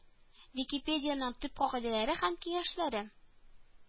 Википедияның төп кагыйдәләре һәм киңәшләре